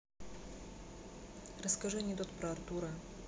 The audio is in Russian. расскажи анекдот про артура